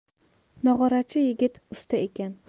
nog'orachi yigit usta ekan